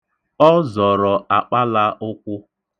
Ọ zọrọ akpala ụkwụ.